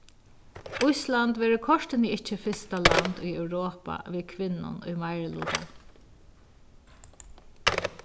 ísland verður kortini ikki fyrsta land í europa við kvinnum í meiriluta